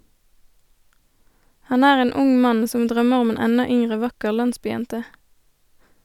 Han er en ung mann som drømmer om en enda yngre, vakker landsbyjente.